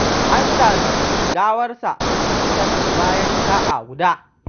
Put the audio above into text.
An sami gawarsa kusan bayan sa’a guda.